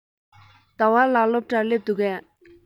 ཟླ བ ལགས སློབ གྲྭར སླེབས འདུག གས